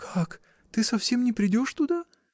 — Как, ты совсем не придешь туда?